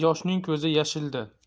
yoshning ko'zi yashilda